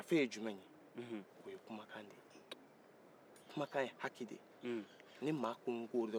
f'i k'i janto nko la nko kɔrɔ de b'a la